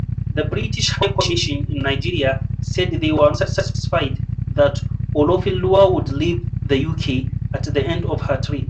The British High Commission in Nigeria said they were “not satisfied” that Olofinlua would leave the UK at the end of her trip.